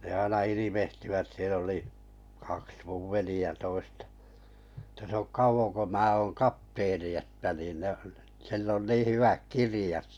ne aina ilvehtivät siellä oli kaksi minun veljeä toista että se on kauan kun minä on kapteeni että niin ne sillä on niin hyvät kirjat